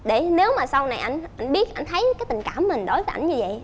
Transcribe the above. để nếu mà sau này ảnh ảnh biết ảnh thấy cái tình cảm mình đối với ảnh như dậy